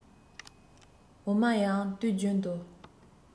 འོ མ ཡང དུས རྒྱུན དུ